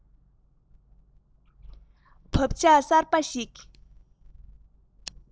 བག ཆགས གསར པ ཞིག